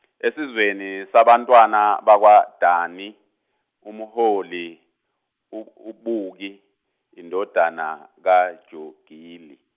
esizweni sabantwana bakwaDani, umholi, u uBuki indodana kaJogili.